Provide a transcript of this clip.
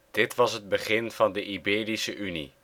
Dit was het begin van de Iberische Unie